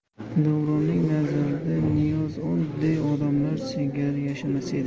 davronning nazarida niyoz oddiy odamlar singari yashamas edi